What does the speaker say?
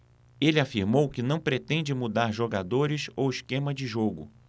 ele afirmou que não pretende mudar jogadores ou esquema de jogo